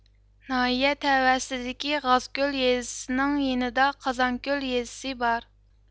ناھىيە تەۋەسىدىكى غازكۆل يېزىسىنىڭ يېنىدا قازانكۆل يېزىسى بار